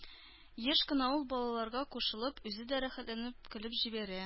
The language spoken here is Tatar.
Еш кына ул, балаларга кушылып, үзе дә рәхәтләнеп көлеп җибәрә.